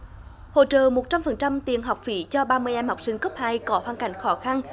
hỗ trợ một trăm phần trăm tiền học phí cho ba mươi em học sinh cấp hai có hoàn cảnh khó khăn